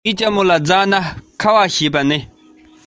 བྱི འུ དག གབ ས ཡིབ ས